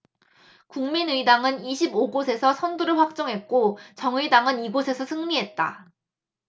국민의당은 이십 오 곳에서 선두를 확정했고 정의당은 이 곳에서 승리했다